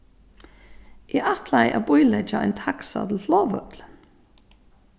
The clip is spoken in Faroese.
eg ætlaði at bíleggja ein taxa til flogvøllin